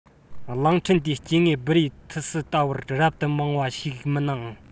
གླིང ཕྲན དེའི སྐྱེ དངོས སྦུ རེ ཐི སི ལྟ བུར རབ ཏུ མང བ ཞིག མིན ནའང